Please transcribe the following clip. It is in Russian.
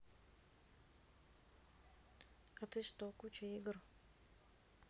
а ты что куча игр